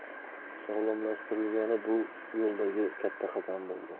sog'lomlashtirilgani bu yo'ldagi katta qadam bo'ldi